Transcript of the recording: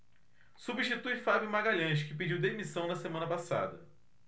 substitui fábio magalhães que pediu demissão na semana passada